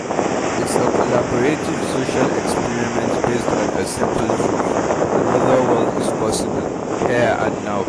It's a collaborative, social experiment based on a simple truth: another world is possible, here and now.